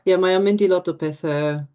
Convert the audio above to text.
Ia, mae o'n mynd i lot o pethe...